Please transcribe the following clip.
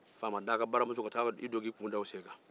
faama da ka baramuso ka taa i don k'i kun da o sen kan